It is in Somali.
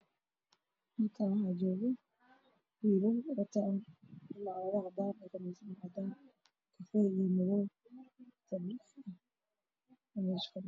Waa nin iyo caruur badan